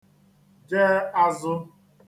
je āzụ̄